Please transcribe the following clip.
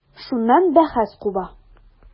Шуннан бәхәс куба.